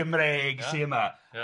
Gymreig sy yma. Ia.